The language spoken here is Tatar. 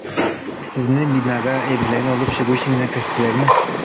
Сезне бинага әйберләрне алып чыгу өчен генә керттеләрме?